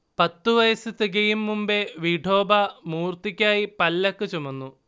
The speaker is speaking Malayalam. പത്തു വയസ്സു തികയും മുമ്പേ വിഠോബാ മൂർത്തിക്കായി പല്ലക്ക് ചുമന്നു